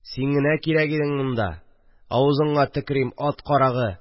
– син генә кирәгиең монда, авызыңа төкерим, ат карагы